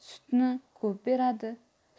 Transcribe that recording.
sutni ko'p beradi